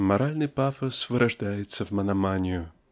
Моральный пафос вырождается в мономанию.